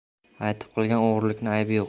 aytib qilgan o'g'irlikning aybi yo'q